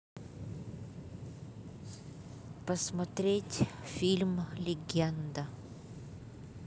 посмотреть фильм легенда